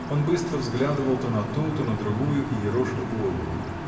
Он быстро взглядывал то на ту, то на другую и ерошил голову.